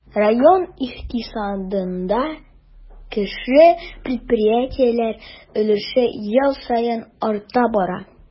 Район икътисадында кече предприятиеләр өлеше ел саен арта бара.